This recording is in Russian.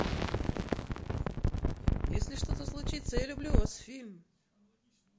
если что то случится я люблю вас фильм